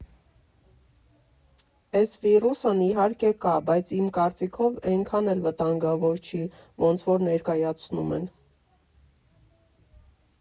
Էս վիրուսն իհարկե կա, բայց իմ կարծիքով էնքան էլ վտանգավոր չի, ոնց որ ներկայացնում են։